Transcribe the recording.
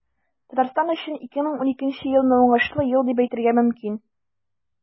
Татарстан өчен 2012 елны уңышлы ел дип әйтергә мөмкин.